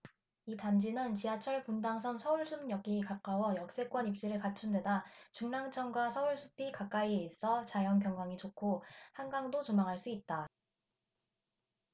이 단지는 지하철 분당선 서울숲역이 가까워 역세권 입지를 갖춘 데다 중랑천과 서울숲이 가까이에 있어 자연경관이 좋고 한강도 조망할 수 있다